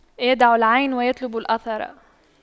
يدع العين ويطلب الأثر